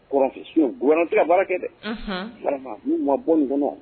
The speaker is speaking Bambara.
Uranfinuranti ka baarakɛ dɛ n ma bɔ kɔnɔ